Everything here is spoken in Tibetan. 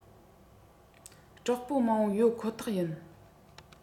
གྲོགས པོ མང པོ ཡོད ཁོ ཐག ཡིན